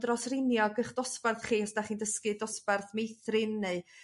dros riniog'ych dosbarth chi os dach chi'n dysgu dosbarth meithrin neu